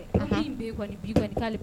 A bɛ kɔni kɔni